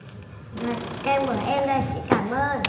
đây kem của em đây chị cảm ơn